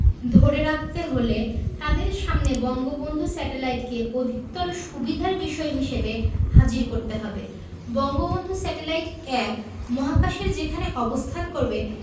ধরে রাখতে হলে তাদের সামনে বঙ্গবন্ধু স্যাটেলাইটকে অধিকতর সুবিধার বিষয় হিসেবে হাজির করতে হবে বঙ্গবন্ধু স্যাটেলাইট ১ মহাকাশের যেখানে অবস্থান করবে